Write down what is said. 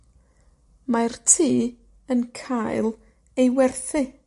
Mae'r tŷ yn cael ei werthu.